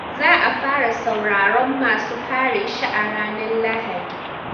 Za a fara sauraron masu kare shi a ranar Lahadi.